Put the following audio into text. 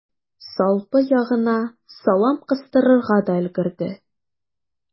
Салпы ягына салам кыстырырга да өлгерде.